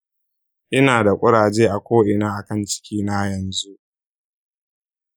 ina da kuraje a ko’ina akan cikina yanzu.